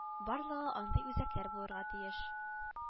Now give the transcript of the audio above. Барлыгы андый үзәкләр - булырга тиеш